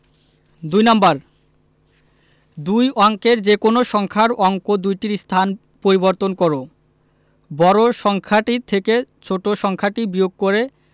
২ number দুই অঙ্কের যেকোনো সংখ্যার অঙ্ক দুইটির স্থান পরিবর্তন কর বড় সংখ্যাটি থেকে ছোট ছোট সংখ্যাটি বিয়োগ করে